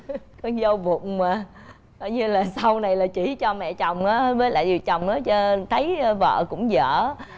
con dâu vụng mà coi như là sau này là chỉ cho mẹ chồng á với lại chồng á thấy vợ cũng dở